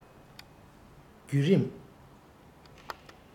བརྒྱུད རིམ